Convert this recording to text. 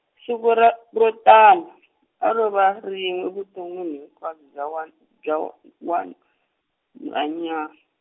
siku ra ro tani, a ro va rinwe evuton'wini hinkwabyo bya wa n-, bya wa n-, nhwanya-.